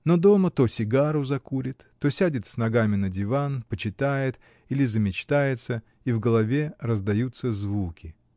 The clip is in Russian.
Но дома то сигару закурит, то сядет с ногами на диван, почитает или замечтается, и в голове раздадутся звуки.